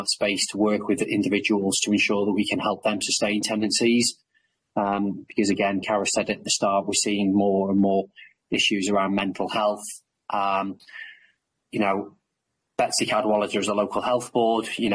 that space to work with the individuals to ensure that we can help them sustain tendencies um because again Carol said at the start we're seeing more and more issues around mental health um you know Betsy Cadwaladr is a local health board you